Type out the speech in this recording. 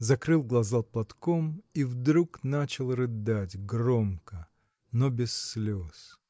закрыл глаза платком и вдруг начал рыдать громко но без слез.